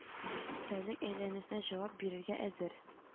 Тәүлек әйләнәсенә җавап бирергә әзер